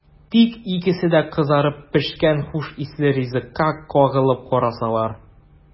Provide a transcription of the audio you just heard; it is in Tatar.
Тик икесе дә кызарып пешкән хуш исле ризыкка кагылып карасалар!